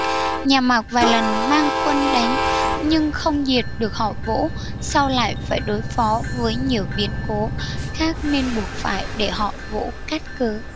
nhà mạc vài lần mang quân đánh nhưng không diệt được họ vũ sau lại phải đối phó với nhiều biến cố khác nên buộc phải để họ vũ cát cứ